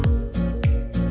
đúng